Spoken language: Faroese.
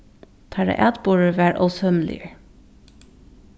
teirra atburður var ósømiligur